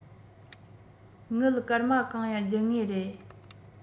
དངུལ སྐར མ གང ཡང སྦྱིན ངེས རེད